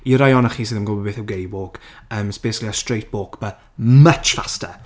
I'r rhai ohonoch chi sy ddim yn gwbod beth yw gay walk ehm it's basically a straight walk but much faster.